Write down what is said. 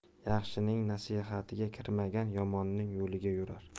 yaxshining nasihatiga kirmagan yomonning yo'liga yurar